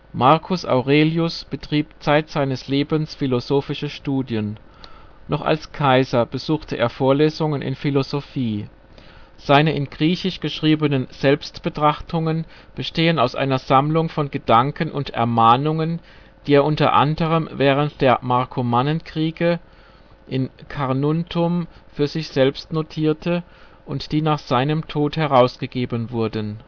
Marcus Aurelius betrieb Zeit seines Lebens philosophische Studien; noch als Kaiser besuchte er Vorlesungen in Philosophie. Seine in Griechisch geschriebenen " Selbstbetrachtungen " bestehen aus einer Sammlung von Gedanken und Ermahnungen, die er unter anderem während der Markomannenkriege in Carnuntum für sich selbst notierte und die nach seinem Tod herausgegeben wurden